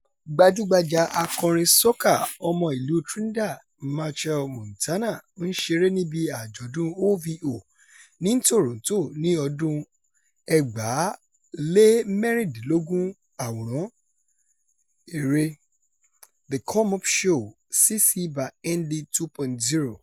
Gbajúgbajà akọrin soca ọmọ ìlú Trinidad Machel Montano ń ṣeré níbi Àjọ̀dún OVO ní Toronto ní ọdún 2016. ÀWÒRÁN: Eré The Come Up Show (CC BY-ND 2.0)